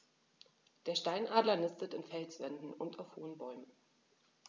Der Steinadler nistet in Felswänden und auf hohen Bäumen.